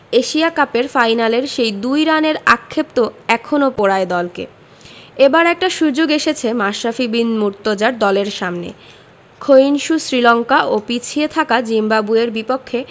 Asia কাপের ফাইনালের সেই ২ রানের আক্ষেপ তো এখনো পোড়ায় দলকে এবার একটা সুযোগ এসেছে মাশরাফি বিন মুর্তজার দলের সামনে ক্ষয়িষ্ণু শ্রীলঙ্কা ও পিছিয়ে থাকা জিম্বাবুয়ের বিপক্ষে